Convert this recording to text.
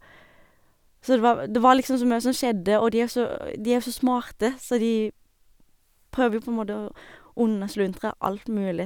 Så det var v det var liksom så mye som skjedde, og de er så de er jo så smarte, så de prøver jo på en måte å unnasluntre alt mulig.